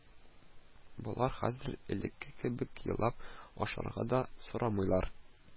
Болар хәзер элекке кебек елап ашарга да сорамыйлар